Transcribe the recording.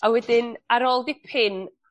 A wedyn ar ôl dipyn